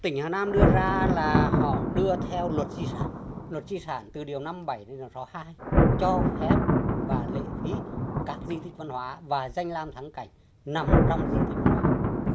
tỉnh hà nam đưa ra là họ đưa theo luật di sản luật di sản từ điều năm bảy sáu hai cho phép và lệ phí các di tích văn hóa và danh lam thắng cảnh nằm trong di tích văn hóa